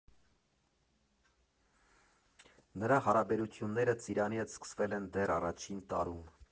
Նրա հարաբերությունները Ծիրանի հետ սկսվել են դեռ առաջին տարում։